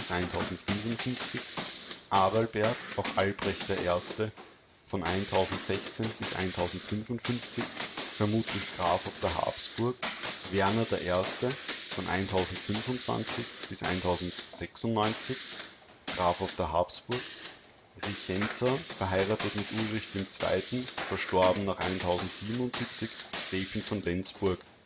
1055) Adalbert, auch Albrecht (I.) (1016-1055), wohl Graf auf der Habsburg Werner I. (1025 – 1096), Graf auf der Habsburg Richenza ∞ Ulrich II. († nach 1077) von Lenzburg